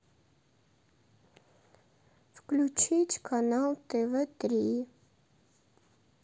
включить канал тв три